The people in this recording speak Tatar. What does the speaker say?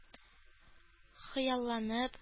Хыялланып